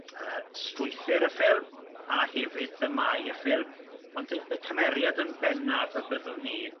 yy strwythur y ffilm a hefyd themâu'r ffilm ond y cymeriad yn bennaf y byddwn ni